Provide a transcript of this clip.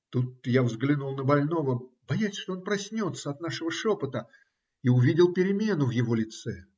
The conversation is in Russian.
Тут я взглянул на больного, боясь, что он проснется от нашего шепота, и увидел перемену в его лице.